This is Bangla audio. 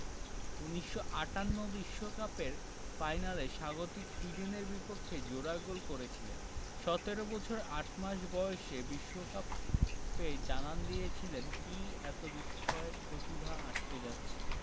১৯৫৮ বিশ্বকাপের ফাইনালে স্বাগতিক সুইডেনের বিপক্ষে জোড়া গোল করেছিলেন ১৭ বছর ৮ মাস বয়সে বিশ্বকাপে জানান দিয়েছিলেন কী এত বিস্ময় প্রতিভা আসতে যাচ্ছে